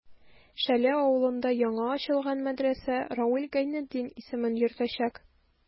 Шәле авылында яңа ачылган мәдрәсә Равил Гайнетдин исемен йөртәчәк.